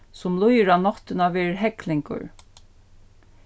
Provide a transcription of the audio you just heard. sum líður á náttina verður heglingur